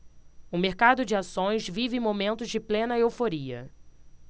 o mercado de ações vive momentos de plena euforia